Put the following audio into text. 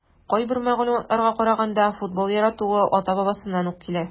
Кайбер мәгълүматларга караганда, футбол яратуы ата-бабасыннан ук килә.